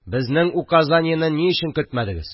Безнең указаниене ни өчен көтмәдегез